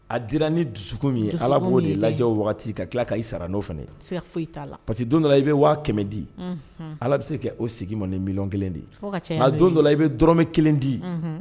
A di ni dusuku min ye ala b'o de lajɛw waati ka tila k ka i sara n'o fana foyi parce que don dɔ i bɛ waa kɛmɛ di ala bɛ se ka' sigi ma nin mi kelen de don dɔ la i bɛɔrɔmɛ kelen di